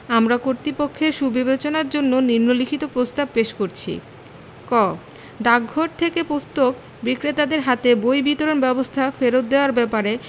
আমরা কর্তৃপক্ষের সুবিবেচনার জন্য নিন্ম লিখিত প্রস্তাব পেশ করছি ক ডাকঘর থেকে পুস্তক বিক্রেতাদের হাতে বই বিতরণ ব্যবস্থা ফেরত দেওয়ার ব্যাপারে